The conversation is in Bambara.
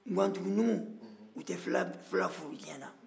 nguwantugu numuw u tɛ fila furu diɲɛ na